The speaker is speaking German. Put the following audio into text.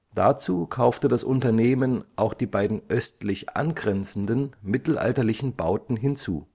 Dazu kaufte das Unternehmen auch die beiden östlich angrenzenden mittelalterlichen Bauten hinzu